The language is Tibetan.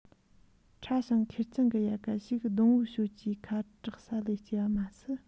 ཕྲ ཞིང ཁེར རྐྱང གི ཡལ ག ཞིག སྡོང བོའི ཞོལ གྱི ཁ དབྲག ས ལས སྐྱེས པ མ ཟད